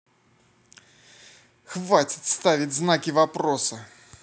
хватит ставить знаки вопроса